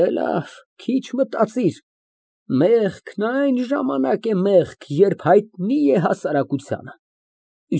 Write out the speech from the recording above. Դե լավ, քիչ մտածիր։ Մեղքն այն ժամանակ է մեղք, երբ հայտնի է հասարակությանը։